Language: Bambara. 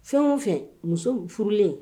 Fɛn o fɛn muso furulen